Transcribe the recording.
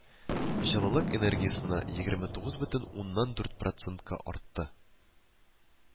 Җылылык энергиясенә егерме тугыз бөтен уннан дүрт процентка артты